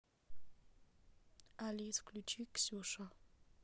алис включи ксюша